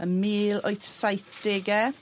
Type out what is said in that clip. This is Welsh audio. y mil wyth saithdege.